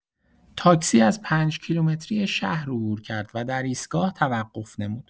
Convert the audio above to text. تاکسی از پنج‌کیلومتری شهر عبور کرد و در ایستگاه توقف نمود.